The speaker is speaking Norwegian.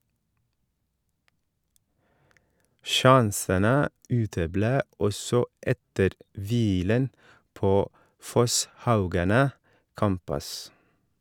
Sjansene uteble også etter hvilen på Fosshaugane Campus.